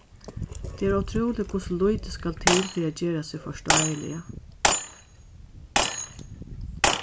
tað er ótrúligt hvussu lítið skal til fyri at gera seg forstáiliga